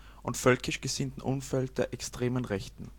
und völkisch gesinnten Umfeld der extremen Rechten